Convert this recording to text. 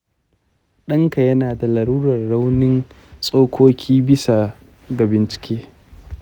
danka yana da lalurar raunin tsokoki bisa ga bincike.